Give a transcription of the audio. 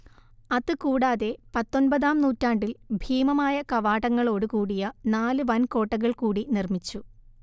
അത് കൂടാതെ പത്തൊമ്പതാം നൂറ്റാണ്ടിൽ ഭീമമായ കവാടങ്ങളോട് കൂടിയ നാല് വൻ കോട്ടകൾ കൂടി നിർമിച്ചു